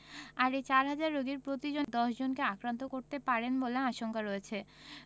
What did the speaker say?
আর এ চারহাজার রোগীর প্রতিজন বছরে আরও ১০ জনকে আক্রান্ত করতে পারেন বলে আশঙ্কা রয়েছে